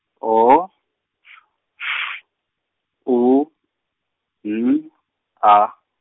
O, F, U, N , A.